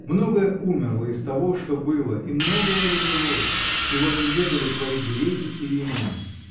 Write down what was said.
Многое умерло из того, что было, и многое родилось, чего не ведали твои греки и римляне.